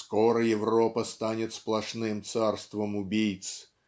"Скоро Европа станет сплошным царством убийц.